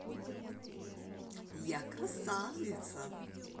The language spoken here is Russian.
я красавица